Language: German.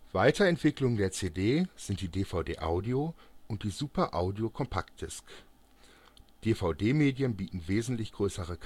Weiterentwicklungen der CD sind die DVD-Audio und die Super Audio Compact Disc. DVD-Medien bieten wesentlich größere